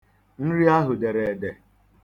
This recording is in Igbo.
Nri ahụ dere ede.